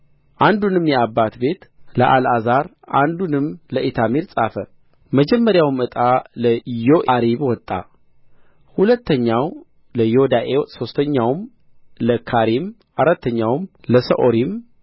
አንዱንም የአባት ቤት ለአልዓዛር አንዱንም ለኢታምር ጻፈ መጀመሪያውም ዕጣ ለዮአሪብ ወጣ ሁለተኛው ለዮዳኤ ሦስተኛው ለካሪም አራተኛው ለሥዖሪም